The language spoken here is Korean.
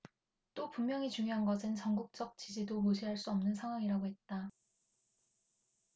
또 분명히 중요한 것은 전국적 지지도 무시할 수 없는 상황이라고 했다